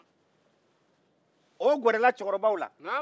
o gɛrɛla cɛkɔrɔbaw la